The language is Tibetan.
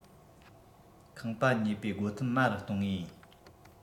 ཁང པ ཉོས པའི སྒོ ཐེམ དམའ རུ གཏོང ངེས ཡིན